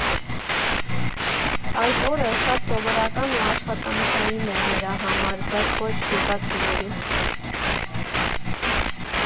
Այդ օրը շատ սովորական ու աշխատանքային էր նրա համար, բայց՝ ոչ գյուղացիների։